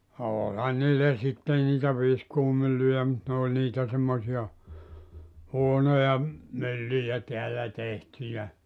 olihan niillä sitten niitä viskuumyllyjä mutta ne oli niitä semmoisia huonoja myllyjä täällä tehtyjä